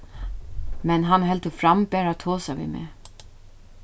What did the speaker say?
men hann heldur fram bara at tosa við meg